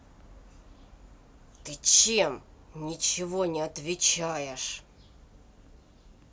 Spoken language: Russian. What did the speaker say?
ты чем ничего не отвечаешь